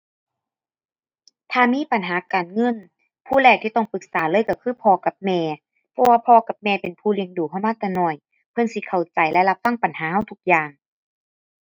ถ้ามีปัญหาการเงิน ผู้แรกที่ต้องปรึกษาเลยก็คือพ่อกับแม่ เพราะว่าพ่อกับแม่เป็นผู้เลี้ยงดูก็มาแต่น้อย เพิ่นสิเข้าใจและรับฟังปัญหาก็ทุกอย่าง